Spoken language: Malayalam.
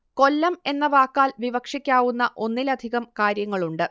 കൊല്ലം എന്ന വാക്കാൽ വിവക്ഷിക്കാവുന്ന ഒന്നിലധികം കാര്യങ്ങളുണ്ട്